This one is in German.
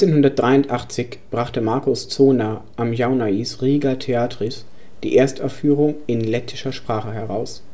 1983 brachte Markus Zohner am Jaunais Riga Teatris die Erstaufführung in lettischer Sprache heraus